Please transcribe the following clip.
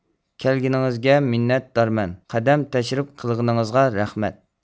كەلگىنىڭىزگە مىننەتدارمەن قەدەم تەشرىپ قىلغىنىڭىزغا رەھمەت